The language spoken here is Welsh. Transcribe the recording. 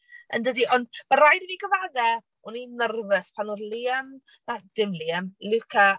Yn dydi. Ond ma' raid i fi gyfadde, o'n i'n nerfus pan oedd Liam... na dim Liam... Luca...